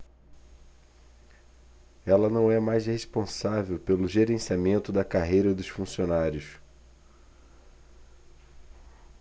ela não é mais responsável pelo gerenciamento da carreira dos funcionários